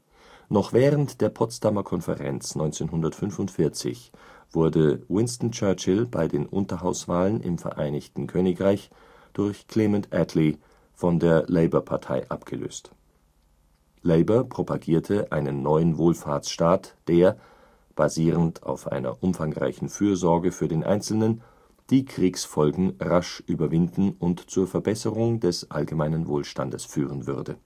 Noch während der Potsdamer Konferenz 1945 wurde Winston Churchill bei den Unterhauswahlen im Vereinigten Königreich durch Clement Attlee von der Labour-Partei abgelöst. Labour propagierte einen neuen Wohlfahrtsstaat, der – basierend auf einer umfangreichen Fürsorge für den Einzelnen – die Kriegsfolgen rasch überwinden und zur Verbesserung des allgemeinen Wohlstandes führen würde